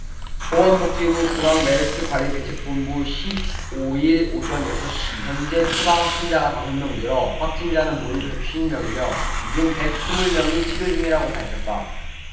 보건복지부 중앙메르스관리대책본부 십 오 일 오전 여섯 시 현재 추가 확진자가 다섯 명 늘어 확진자는 모두 백 쉰 명이며 이 중 백 스물 명이 치료 중이라고 밝혔다